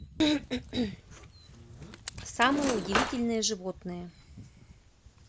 самые удивительные животные